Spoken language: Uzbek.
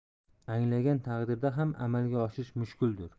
anglagan taqdirda ham amalga oshirish mushkuldir